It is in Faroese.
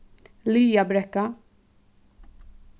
liðabrekka